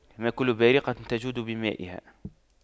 ما كل بارقة تجود بمائها